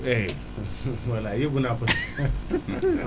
voilà yóbbu naa ko